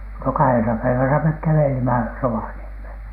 no kahdessa päivässä me kävelimme Rovaniemelle